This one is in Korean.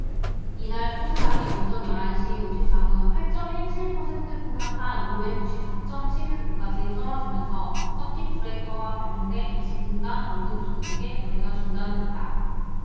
이날 코스닥이 오전 열 한 시 오십 사 분 팔 쩜 일 칠 퍼센트 폭락한 오백 구십 사 쩜 칠 오 까지 떨어지면서 서킷 브레이커가 발동돼 이십 분간 모든 종목의 거래가 중단됐다